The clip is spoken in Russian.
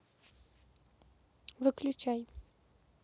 выключай